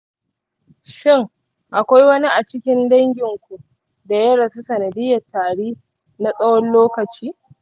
shin akwai wani a cikin danginku da ya rasu sanadiyyar tari na tsawon lokaci?